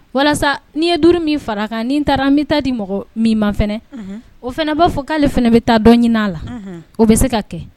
Walasa nii ye duuru min fara kan nin taara n bɛ taa di mɔgɔ min maf o fana b'a fɔ k'ale ale fana bɛ taa dɔ ɲin la o bɛ se ka kɛ